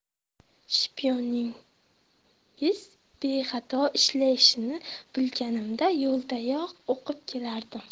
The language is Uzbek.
shpioningiz bexato ishlashini bilganimda yo'ldayoq o'qib kelardim